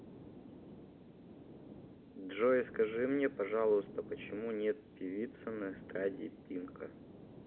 джой скажи мне пожалуйста почему нет певицы на эстраде пинка